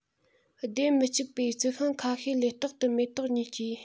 སྡེ མི གཅིག པའི རྩི ཤིང ཁ ཤས ལ རྟག ཏུ མེ ཏོག གཉིས སྐྱེ